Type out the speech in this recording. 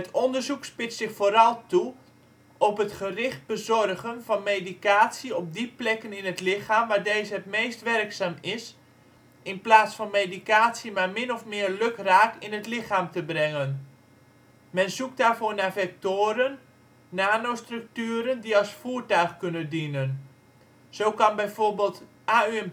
onderzoek spitst zich vooral toe op het gericht bezorgen van medicatie op die plekken in het lichaam waar deze het meest werkzaam is, in plaats van medicatie maar min of meer lukraak in het lichaam te brengen. Men zoekt daarvoor naar vectoren, nanostructuren die als voertuig kunnen dienen. Zo kan bijvoorbeeld AuNP